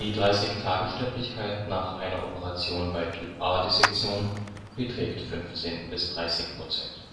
30-Tage-Sterblichkeit nach einer Operation bei Typ-A-Dissektion beträgt 15 – 30 %